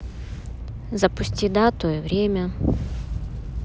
запусти дату и время